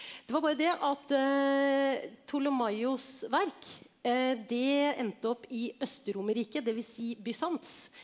det var bare det at Ptolemaios' verk det endte opp i Øst-Romerriket dvs. Bysants.